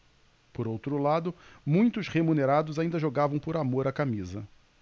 por outro lado muitos remunerados ainda jogavam por amor à camisa